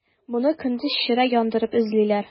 Моны көндез чыра яндырып эзлиләр.